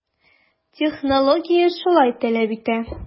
Технология шулай таләп итә.